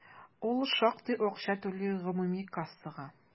Ул шактый акча түли гомуми кассага.